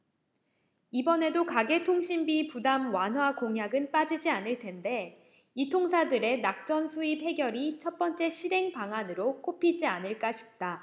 이번에도 가계통신비 부담 완화 공약은 빠지지 않을텐데 이통사들의 낙전수입 해결이 첫번째 실행 방안으로 꼽히지 않을까 싶다